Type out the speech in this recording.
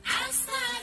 Ha